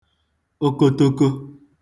okotoko